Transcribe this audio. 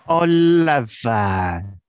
Oh, love her!